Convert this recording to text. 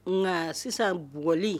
Nka sisan bugli